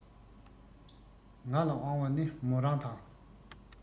ང ལ དབང བ ནི མོ རང དང